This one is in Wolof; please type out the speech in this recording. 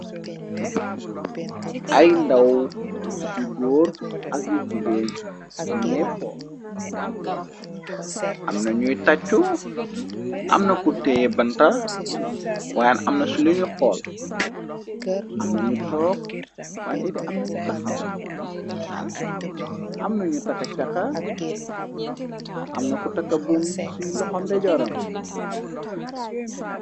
Ay ndaw yu góor ak i jigéen ñi ngay fool amna ñuy tàccu amna ku tee banta waayen amna su lunu xool amna ñu took waan iti amnañu taxaw amnañu taka caka amna ku taka bum ci loxamdejoorami.